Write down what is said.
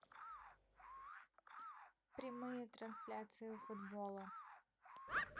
прямые трансляции футбола